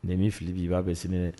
N'i ye min fili bi i b'a bɛn sini dɛ